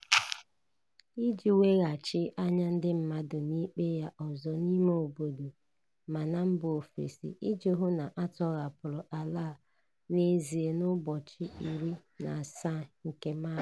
Iji weghachi anya ndị mmadụ n'ikpe ya ọzọ n'ime obodo ma na mba ofesi iji hụ na a tọhapụrụ Alaa n'ezie n'ụbọchị 17 nke Maachị.